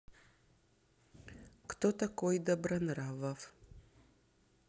кто такой добронравов